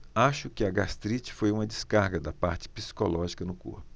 acho que a gastrite foi uma descarga da parte psicológica no corpo